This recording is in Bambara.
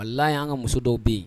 Wala la y'an ka muso dɔw bɛ yen